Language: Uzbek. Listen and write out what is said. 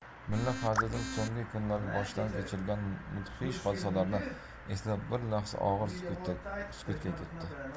mulla fazliddin so'nggi kunlarda boshdan kechirgan mudhish hodisalarni eslab bir lahza og'ir sukutga ketdi